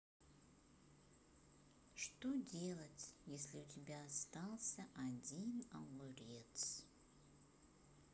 что делать если у тебя остался один огурец